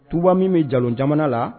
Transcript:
Tuuba min bɛ ja jamana la